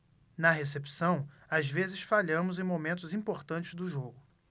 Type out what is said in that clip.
na recepção às vezes falhamos em momentos importantes do jogo